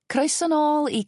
Croeso nôl i...